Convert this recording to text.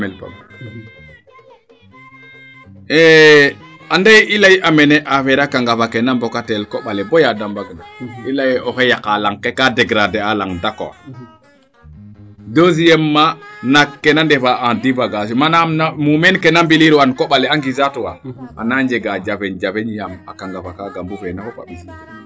ande i ley a mene affaire a kanga fa ke na mbokatel koɓale baya de mbang na i leye oxey yaqa laŋ ke kaa degrader a laŋ d' accord deuxiement naak ek na ndefa en manam mumeen ke na mbiliir wan koɓale a ngisaat waa ana njega jafe jafe yaam a knagafa kaaga mbufeena fop a mbisu